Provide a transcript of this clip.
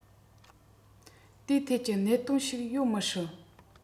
དེའི ཐད ཀྱི གནད དོན ཞིག ཡོད མི སྲིད